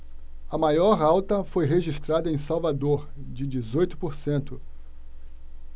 a maior alta foi registrada em salvador de dezoito por cento